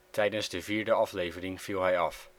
Tijdens de vierde aflevering viel hij af